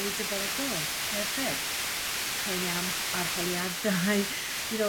eu dyfodol hefyd poeni am arholiadau you know